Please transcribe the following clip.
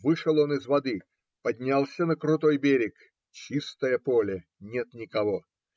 Вышел он из воды, поднялся на крутой берег - чистое поле, нет никого.